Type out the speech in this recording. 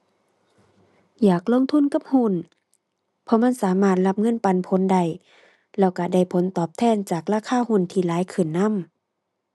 อยากลงทุนกับหุ้น เพราะมันสามารถรับเงินปันผลได้ แล้วก็ได้ผลตอบแทนจากราคาหุ้นที่หลายขึ้นนำ